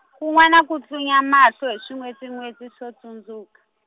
kun'wana ku tlunya mahlo hi swin'wetsin'wetsi swo tsundzuka.